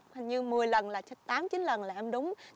hình như mười lần là tám chín lần là em đúng